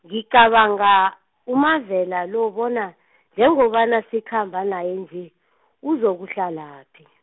ngicabanga uMavela lo bona, njengobana sikhamba naye nje, uzokuhlalaphi.